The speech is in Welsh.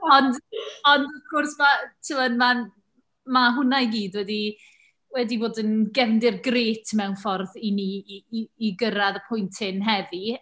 Ond ond wrth gwrs ma', tibod, mae'n... mae' hwnna i gyd wedi wedi bod yn gefndir grêt mewn ffordd i ni i i i gyrraedd y pwynt hyn heddi.